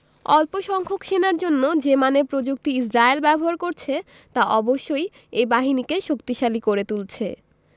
অল্পসংখ্যক সেনার জন্য যে মানের প্রযুক্তি ইসরায়েল ব্যবহার করছে তা অবশ্যই এই বাহিনীকে শক্তিশালী করে তুলছে